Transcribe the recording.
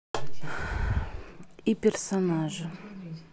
и персонажа